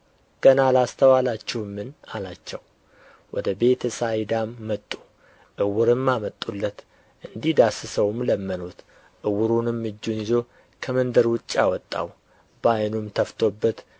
ገና አላስተዋላችሁምን አላቸው ወደ ቤተ ሳይዳም መጡ ዕውርም አመጡለት እንዲዳስሰውም ለመኑት ዕውሩንም እጁን ይዞ ከመንደር ውጭ አወጣው በዓይኑም ተፍቶበት